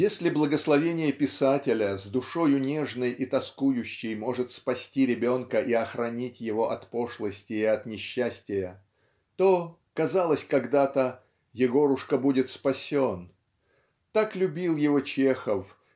Если благословение писателя с душою нежной и тоскующей может спасти ребенка и охранить его от пошлости и от несчастия то казалось когда-то Егорушка будет спасен. Так любил его Чехов